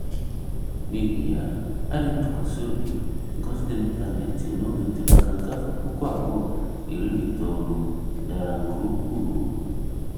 N'ihi ya, adịmụntụkwasịobi nke ozi dị n'ịntaneetị n'oge ntụliaka nke afọ 2019 dara nke ukwuu.